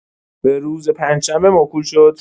به‌روز پنجشنبه موکول شد.